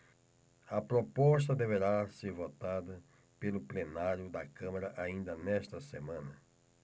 a proposta deverá ser votada pelo plenário da câmara ainda nesta semana